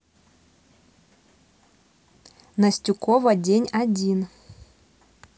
настюкова день один